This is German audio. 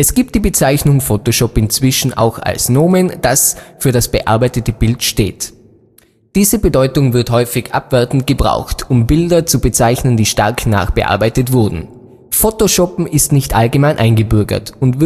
gibt die Bezeichnung Photoshop inzwischen auch als Nomen, das für das bearbeitete Bild steht. Diese Bedeutung wird häufig abwertend gebraucht, um Bilder zu bezeichnen, die stark nachbearbeitet wurden. „ Photoshoppen “ist nicht allgemein eingebürgert und